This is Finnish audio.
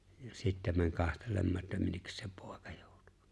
ja sitten meni katselemaan että minne se poika joutui